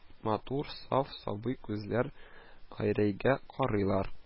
Матур, саф, сабый күзләр Гәрәйгә карыйлар